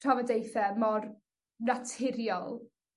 trafodeithe mor naturiol